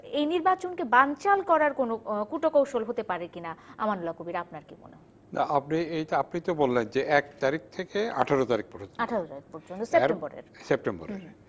এ নির্বাচনকে বানচাল করার কোন কুটকৌশল হতে পারে কিনা আমানুল্লাহ কবীর আপনাকে আপনি আপনি তো বললেন যে ১ তারিখ থেকে ১৮ তারিখ পর্যন্ত ১৮ তারিখ পর্যন্ত সেপ্টেম্বরের সেপ্টেম্বরের হুম